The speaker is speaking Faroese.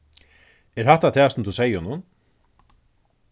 er hatta tað sum tú segði honum